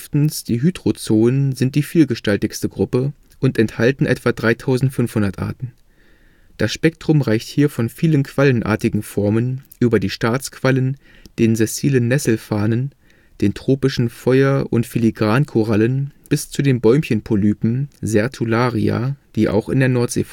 Die Hydrozoen (Hydrozoa) sind die vielgestaltigste Gruppe und enthalten etwa 3500 Arten. Das Spektrum reicht hier von vielen quallenartigen Formen über die Staatsquallen, den sessilen Nesselfarnen, den tropischen Feuer - und Filigrankorallen bis zu den Bäumchenpolypen (Sertularia), die auch in der Nordsee